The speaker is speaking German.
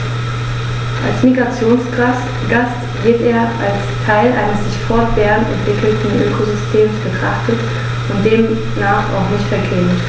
Als Migrationsgast wird er als Teil eines sich fortwährend entwickelnden Ökosystems betrachtet und demnach auch nicht vergrämt.